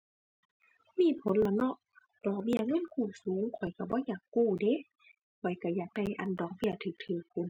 มีผลละเนาะ ดอกเบี้ยเงินกู้สูงข้อยก็บ่อยากกู้เดะ ข้อยก็อยากได้อันดอกเบี้ยก็ก็พู้น